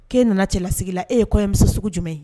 K'e nana cɛlasigi la e ye kɔɲɔ yemisa sugu jumɛn ye